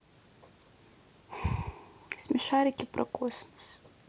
смешарики про космос